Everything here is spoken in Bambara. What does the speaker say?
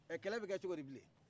ɛ kɛlɛ bɛ kɛ cogodi bilen